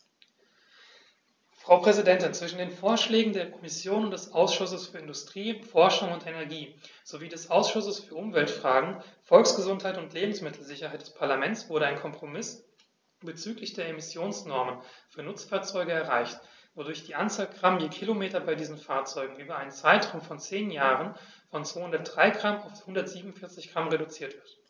Frau Präsidentin, zwischen den Vorschlägen der Kommission und des Ausschusses für Industrie, Forschung und Energie sowie des Ausschusses für Umweltfragen, Volksgesundheit und Lebensmittelsicherheit des Parlaments wurde ein Kompromiss bezüglich der Emissionsnormen für Nutzfahrzeuge erreicht, wodurch die Anzahl Gramm je Kilometer bei diesen Fahrzeugen über einen Zeitraum von zehn Jahren von 203 g auf 147 g reduziert wird.